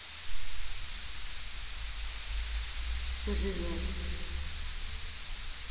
заживет